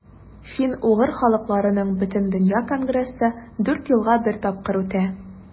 Фин-угыр халыкларының Бөтендөнья конгрессы дүрт елга бер тапкыр үтә.